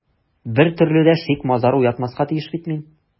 Бер төрле дә шик-мазар уятмаска тиеш бит мин...